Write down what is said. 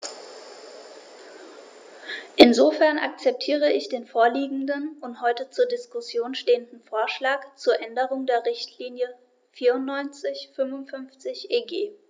Insofern akzeptiere ich den vorliegenden und heute zur Diskussion stehenden Vorschlag zur Änderung der Richtlinie 94/55/EG.